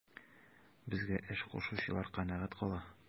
Безгә эш кушучылар канәгать кала.